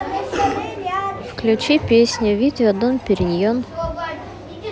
включи песню видео дон периньон